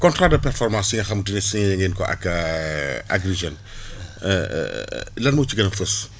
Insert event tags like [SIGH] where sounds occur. contrat de performance yi nga xam te ne signé ngeen ko ak [HESITATION] agri Jeunes [BREATH] [HESITATION] lan moo ci gën a fës